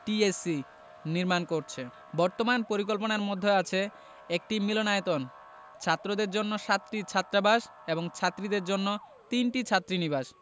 TSC নির্মাণ করছে বর্তমান পরিকল্পনার মধ্যে আছে একটি মিলনায়তন ছাত্রদের জন্য সাতটি ছাত্রাবাস ও ছাত্রীদের জন্য তিনটি ছাত্রীনিবাস